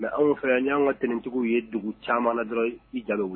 Mɛ anw fɛ yan y'an ka ntcogo ye dugu caman dɔrɔn i ja